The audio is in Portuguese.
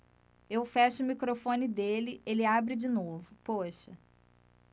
eu fecho o microfone dele ele abre de novo poxa